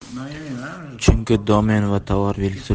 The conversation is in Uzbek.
chunki domen va tovar belgisi